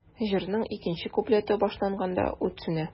Җырның икенче куплеты башланганда, ут сүнә.